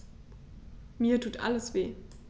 Mir tut alles weh.